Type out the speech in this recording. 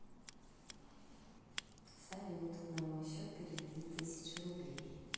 салют на мой счет переведи тысячу рублей